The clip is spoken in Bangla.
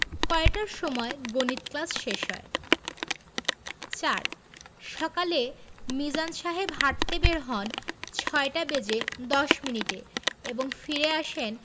কয়টার সময় গণিত ক্লাস শেষ হয় ৪ সকালে মিজান সাহেব হাঁটতে বের হন ৬টা বেজে ১০ মিনিটে এবং ফিরে আসেন